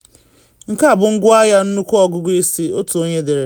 Nke a bụ ngwaahịa nnukwu ọgụgụ isi,” otu onye dere.